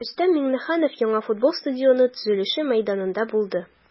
Рөстәм Миңнеханов яңа футбол стадионы төзелеше мәйданында булды.